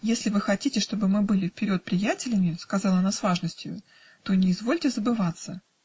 "Если вы хотите, чтобы мы были вперед приятелями, -- сказала она с важностию, -- то не извольте забываться".